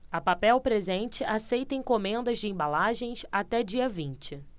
a papel presente aceita encomendas de embalagens até dia vinte